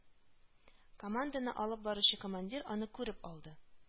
Команданы алып баручы командир аны күреп алды